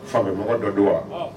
Fanfɛmɔgɔ dɔ don wa, anhan